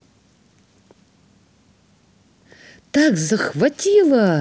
так захватило